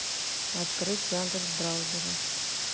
открыть яндекс браузере